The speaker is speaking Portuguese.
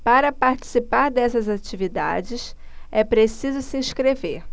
para participar dessas atividades é preciso se inscrever